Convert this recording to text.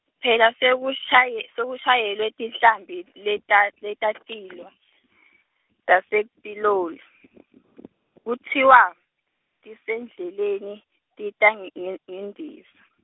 phela sekushaye- sekushayelwe tinhlambi, leta, letatiwa, tasePitoli , kutsiwa, tisendleleni, tita nge- nge- ngendiza.